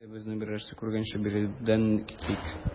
Әйдә, безне берәрсе күргәнче биредән китик.